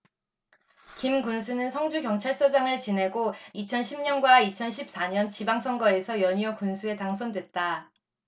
김 군수는 성주경찰서장을 지내고 이천 십 년과 이천 십 사 년 지방선거에서 연이어 군수에 당선됐다